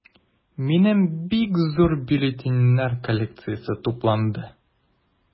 Минем бик зур бюллетеньнәр коллекциясе тупланды.